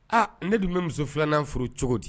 Aa ne tun bɛ muso filanan furu cogo di